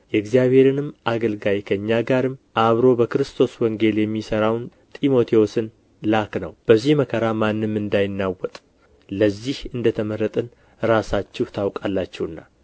የእግዚአብሔርንም አገልጋይ ከእኛ ጋርም አብሮ በክርስቶስ ወንጌል የሚሠራውን ጢሞቴዎስን ላክነው በዚህ መከራ ማንም እንዳይናውጥ ለዚህ እንደ ተመረጥን ራሳችሁ ታውቃላችሁና